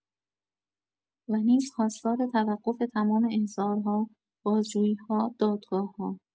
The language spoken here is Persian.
و نیز خواستار توقف تمام احضارها، بازجویی‌ها، دادگاه‌ها